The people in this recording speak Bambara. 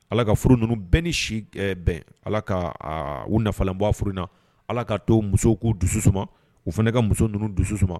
Ala ka furu ninnu bɛn ni si bɛn ala ka u nafalen bɔ furu na ala k ka to musow ko dusu suma u fana ka muso ninnu dusu suma